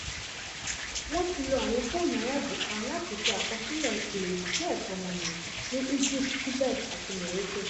Wọ́n ti lo àwọn fóònù alágbèéká láti ṣe àkọsílẹ̀ ìlòdì sí ẹ̀tọ́ ọmọnìyàn, ní Egypt, Tibet àti Morocco.